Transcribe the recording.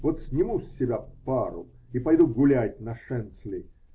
Вот сниму с себя пару и пойду гулять на Шенцли.